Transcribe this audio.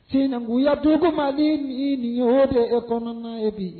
Sinankunya donkoden nin ye bɛ ɛ bamanan ye bi